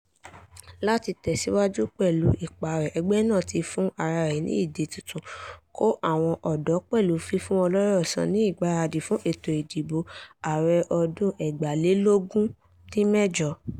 Láti tẹ̀síwájú pẹ̀lú ipa rẹ̀, ẹgbẹ́ náà ti fún ara rẹ̀ ní ìdí tuntun: kó àwọn ọ̀dọ́ pẹ̀lú fífún wọn lórọ̀ sọ ní ìgbáradì fún ètò ìdìbò ààrẹ ọdún 2012.